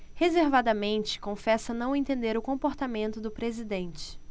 reservadamente confessa não entender o comportamento do presidente